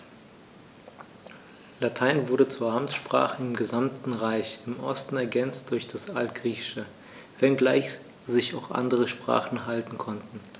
Latein wurde zur Amtssprache im gesamten Reich (im Osten ergänzt durch das Altgriechische), wenngleich sich auch andere Sprachen halten konnten.